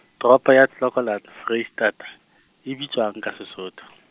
toropo ya Clocolan Foreisetata, e bitswang ka Sesotho?